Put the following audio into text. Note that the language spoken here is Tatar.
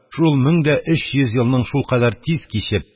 Шул мең дә өч йөз елның шулкадәр тиз кичеп,